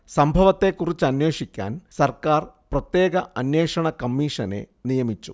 സംഭവത്തെക്കുറിച്ചന്വേഷിക്കാൻ സർക്കാർ പ്രത്യേക അന്വേഷണ കമ്മീഷനെ നിയമിച്ചു